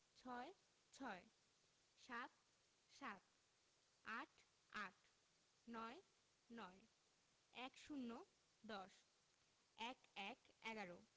৬ ছয় ৭ সাত ৮ আট ৯ নয় ১০ দশ ১১ এগারো